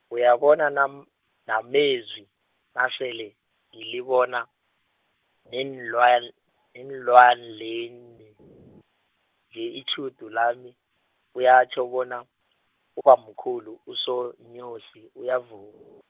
uyabona nam- namezwi nasele ngilibona, neenlwal- nenlwanlel- , nje itjhudu lami, kuyatjho bona, ubamkhulu uSoNyosi uyavu- .